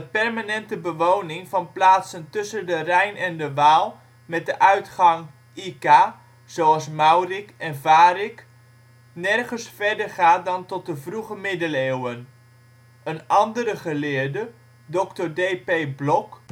permanente bewoning van plaatsen tussen de Rijn en de Waal met de uitgang - ik (zoals Maurik, Varik) nergens verder gaat dan tot de vroege middeleeuwen. Een andere geleerde, Dr. D.P. Blok